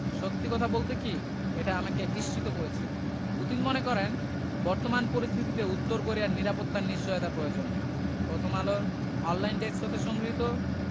সত্যি কথা বলতে কি এটা আমাকে বিস্মিত করেছে পুতিন মনে করেন বর্তমান পরিস্থিতিতে উত্তর কোরিয়ার নিরাপত্তার নিশ্চয়তা প্রয়োজন প্রথমআলোর অনলাইন ডেস্ক হতে সংগৃহীত